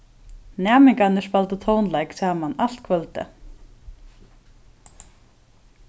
næmingarnir spældu tónleik saman alt kvøldið